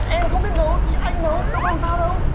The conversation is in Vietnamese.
em không biết nấu thì anh nấu đâu có làm sao đâu